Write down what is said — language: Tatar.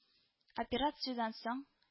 Операциядән соң